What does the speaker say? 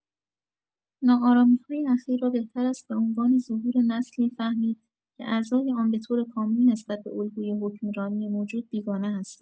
ناآرامی‌های اخیر را بهتر است به عنوان ظهور نسلی فهمید که اعضای آن به‌طور کامل نسبت به الگوی حکمرانی موجود بیگانه هستند.